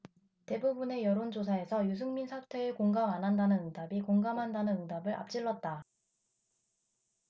대부분의 여론조사에서 유승민 사퇴에 공감 안 한다는 응답이 공감한다는 응답을 앞질렀다